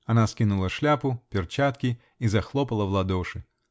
Она скинула шляпу, перчатки -- и захлопала в ладоши.